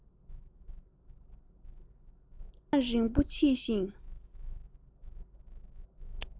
གཟིགས རྒྱང རིང པོ གནང བཞིན མཆིས